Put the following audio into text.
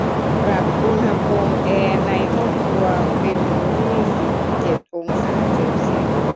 ปรับอุณหภูมิแอร์ในห้องครัวเป็นยี่สิบเจ็ดองศาเซลเซียส